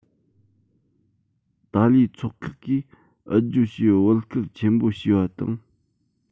ཏཱ ལའི ཚོགས ཁག གིས འུད བརྗོད བྱས པའི བོད ཁུལ ཆེན པོ ཞེས པ དང